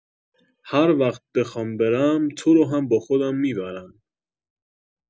هر وقت بخوام برم تو رو هم با خودم می‌برم